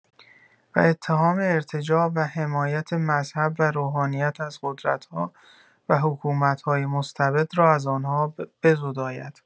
و اتهام ارتجاع و حمایت مذهب و روحانیت از قدرت‌ها و حکومت‌های مستبد را از آنها بزداید.